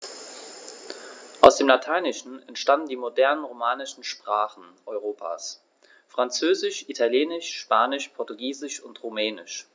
Aus dem Lateinischen entstanden die modernen „romanischen“ Sprachen Europas: Französisch, Italienisch, Spanisch, Portugiesisch und Rumänisch.